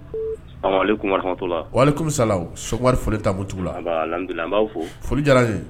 Alemisa foli ta la diyara ye